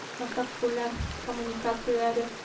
Мәссакүләм коммуникацияләр